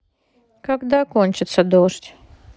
когда кончится дождь